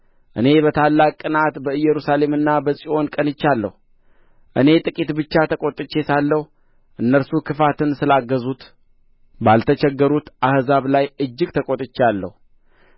እኔ በታላቅ ቅንዓት በኢየሩሳሌምና በጽዮን ቀንቻለሁ እኔ ጥቂት ብቻ ተቈጥቼ ሳለሁ እነርሱ ክፋትን ስላገዙት ባልተቸገሩት አሕዛብ ላይ እጅግ ተቈጥቻለሁ